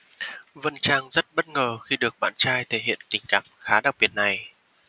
vân trang rất bất ngờ khi được bạn trai thể hiện tình cảm khá đặc biệt này